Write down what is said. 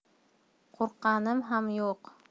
qo'rqqanim ham yo'q